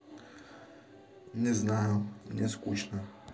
не знаю мне скучно